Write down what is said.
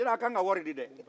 yɔrɔ aw kakan ka wari di dɛ